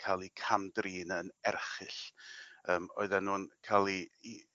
ca'l 'u camdrin yn erchyll. Yym oedden nw'n ca'l 'u 'u